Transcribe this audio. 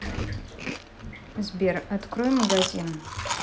сбер открой магазин